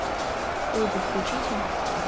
ольгу включите